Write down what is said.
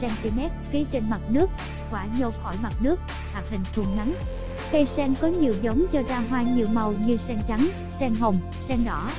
mươi cm phía trên mặt nước quả nhô khỏi mặt nước hạt hình thuôn ngắn cây sen có nhiều giống cho ra hoa nhiều màu như sen trắng sen hồng sen đỏ